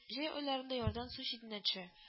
Җәй айларында ярдан су читенә төшә